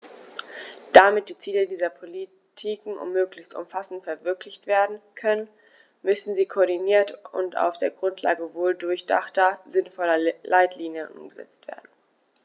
Damit die Ziele dieser Politiken möglichst umfassend verwirklicht werden können, müssen sie koordiniert und auf der Grundlage wohldurchdachter, sinnvoller Leitlinien umgesetzt werden.